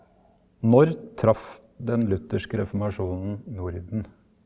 når traff den lutherske reformasjonen Norden?